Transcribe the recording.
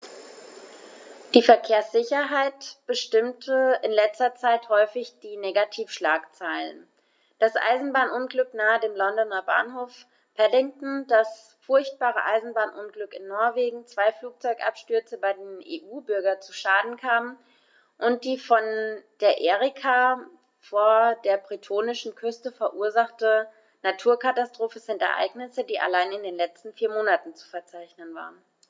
Die Verkehrssicherheit bestimmte in letzter Zeit häufig die Negativschlagzeilen: Das Eisenbahnunglück nahe dem Londoner Bahnhof Paddington, das furchtbare Eisenbahnunglück in Norwegen, zwei Flugzeugabstürze, bei denen EU-Bürger zu Schaden kamen, und die von der Erika vor der bretonischen Küste verursachte Naturkatastrophe sind Ereignisse, die allein in den letzten vier Monaten zu verzeichnen waren.